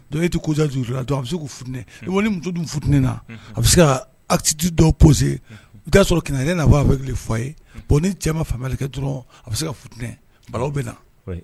Don e tɛjan juru la don bɛ set muso dun fut na a bɛ se kati dɔw pɔose u'a sɔrɔ na b'a fɛ fɔ a ye bɔn ni cɛ ma fan kɛ dɔrɔn a bɛ se ka ft bɛ na